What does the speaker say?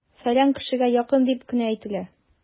"фәлән кешегә якын" дип кенә әйтелә!